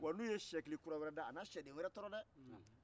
n'uye sɛkili kura wɛrɛ da a na sɛden tɔrɔ